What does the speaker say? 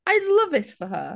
I love it for her.